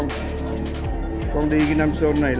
đi cái ghêm sâu này